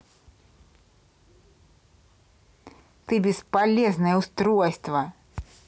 ты бесполезное устройство